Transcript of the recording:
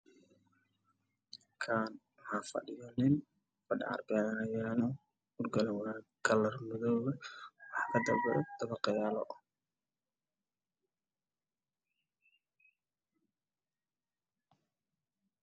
Waa hotel waxaa yaal fadhi madow ah waxaa fadhiya nin waxaa ka dambeeya dabaqa aada u dheer muraayada